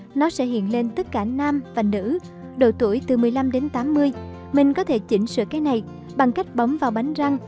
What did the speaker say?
nó sẽ hiện lên tất cả nam và nữ độ tuổi từ đến tuổi mình có thể chỉnh sửa cái này bằng cách bấm vào bánh răng